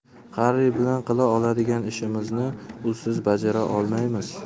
harri bilan qila oladigan ishimizni usiz bajara olmaymiz